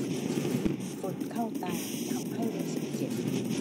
ฝุ่นเข้าตาทำให้รู้สึกเจ็บ